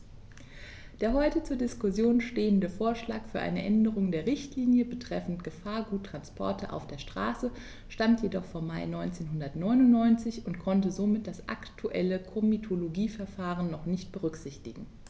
Der heute zur Diskussion stehende Vorschlag für eine Änderung der Richtlinie betreffend Gefahrguttransporte auf der Straße stammt jedoch vom Mai 1999 und konnte somit das aktuelle Komitologieverfahren noch nicht berücksichtigen.